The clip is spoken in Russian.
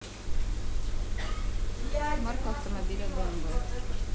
марка автомобиля bmw